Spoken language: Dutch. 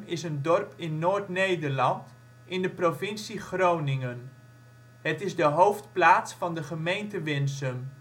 is een dorp in Noord-Nederland, in de provincie Groningen. Het is de hoofdplaats van de gemeente Winsum